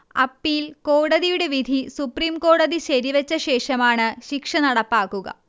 appeal കോടതിയുടെ വിധി സുപ്രീംകോടതി ശരിവെച്ച ശേഷമാണ് ശിക്ഷ നടപ്പാക്കുക